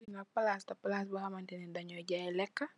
Fii nak plass la, plass bor hamanteh neh deh njoi jaii lehkah